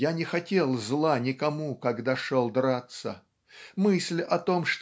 Я не хотел зла никому, когда шел драться. Мысль о том